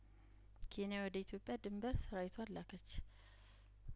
ኬንያ ወደ ኢትዮጵያ ድንበር ሰራዊቷን ላከች